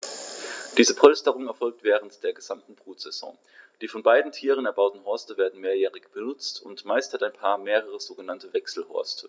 Diese Polsterung erfolgt während der gesamten Brutsaison. Die von beiden Tieren erbauten Horste werden mehrjährig benutzt, und meist hat ein Paar mehrere sogenannte Wechselhorste.